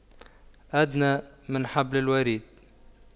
أدنى من حبل الوريد